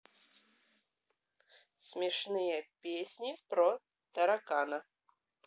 смешные песни про таракана